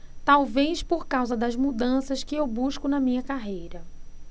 talvez por causa das mudanças que eu busco na minha carreira